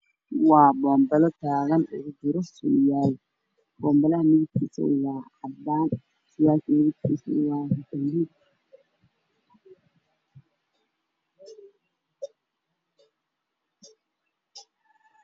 Waa bon balo daaran bon balada mideb kiisu yahay cadaan